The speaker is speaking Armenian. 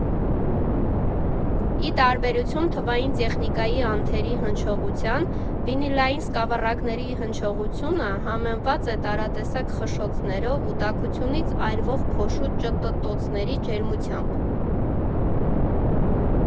Ի տարբերություն թվային տեխնիկայի անթերի հնչողության՝ վինիլային սկավառակների հնչողությունը համեմված է տարատեսակ խշշոցներով ու տաքությունից այրվող փոշու ճտտոցների ջերմությամբ։